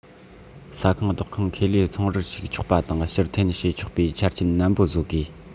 ས ཁང བདག ཁོངས ཁེ ལས ཚོང རར ཞུགས ཆོག པ དང ཕྱིར འཐེན བྱས ཆོག པའི ཆ རྐྱེན ནན པོ བཟོ དགོས